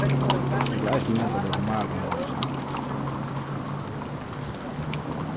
hevur tú eisini meldað teg til maratonrenningina